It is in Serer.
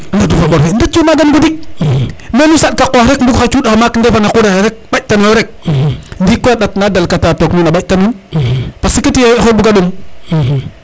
nature fa mbor fe ndet yo maga nu ŋodik mais :frra nu satka qox rek mbug xa cuɗ xa maak ndefan xa qura xe rek baƴtano yo rek ndeikoy a ndat na dalka tok nuun a mbaƴta nuun parce que tiye oxey buga ɗom